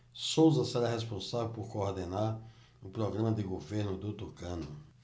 souza será responsável por coordenar o programa de governo do tucano